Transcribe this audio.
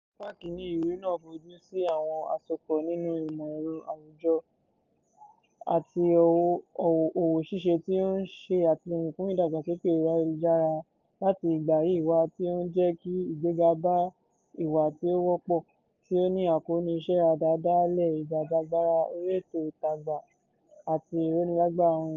Apá Kínní ìwé náà fojú sí àwọn àsopọ̀ nínú ìmọ̀ ẹ̀rọ, àwùjọ àti òwò ṣíṣe tí ó ń ṣe àtìlẹ́yìn fún ìdàgbàsókè ẹ̀rọ ayélujára láti ìgbà yìí wá, tí ó ń jẹ́ kí ìgbéga bá "ìwà tí ó wọ́pọ̀" tí ó ní àkóónú ìṣe àdádáàlẹ̀, ìjìjàgbara orí ẹ̀rọ àtagba àti ìrónilágbara àwọn ènìyàn.